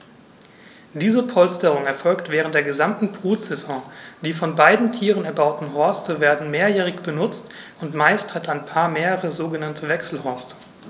Diese Polsterung erfolgt während der gesamten Brutsaison. Die von beiden Tieren erbauten Horste werden mehrjährig benutzt, und meist hat ein Paar mehrere sogenannte Wechselhorste.